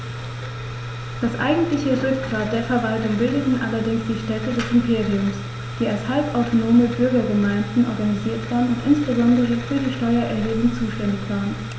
Das eigentliche Rückgrat der Verwaltung bildeten allerdings die Städte des Imperiums, die als halbautonome Bürgergemeinden organisiert waren und insbesondere für die Steuererhebung zuständig waren.